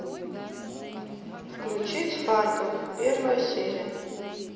включить фарго первая серия